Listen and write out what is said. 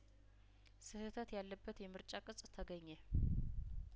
ስህተት ያለበት የምርጫ ቅጽ ተገኘ